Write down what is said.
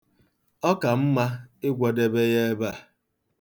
Ọ ka mma ịgwọdebe ya ebe a.